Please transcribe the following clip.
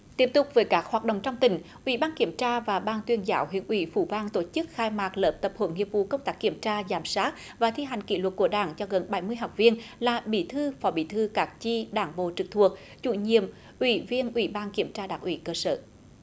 tiếp tục với các hoạt động trong tỉnh ủy ban kiểm tra và ban tuyên giáo huyện ủy phú vang tổ chức khai mạc lớp tập huấn nghiệp vụ công tác kiểm tra giám sát và thi hành kỷ luật của đảng cho gần bảy mươi học viên là bí thư phó bí thư các chi đảng bộ trực thuộc chủ nhiệm ủy viên ủy ban kiểm tra đảng ủy cơ sở